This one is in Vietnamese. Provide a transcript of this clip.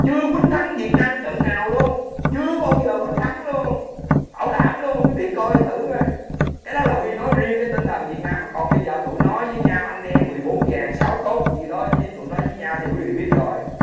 chưa uýnh thắng việt nam trận nào luôn chưa bao giờ uýnh thắng luôn bảo đảm luôn quý vị coi thử coi cái đó là nguyên nói riêng cái tinh thần việt nam còn bây giờ tụi nó dới nhau anh em mười bốn dàng sáu tốt gì đó dí tụi nó dí nhau thì quý vị biết rồi